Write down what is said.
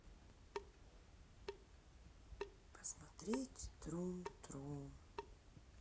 посмотреть трум трум